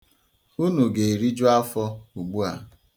Unu ga-eriju afo ugbua.